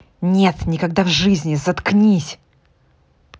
нет никогда в жизни заткнись